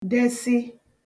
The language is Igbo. desị